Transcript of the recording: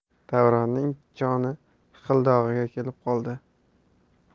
davronning joni hiqildog'iga kelib qoldi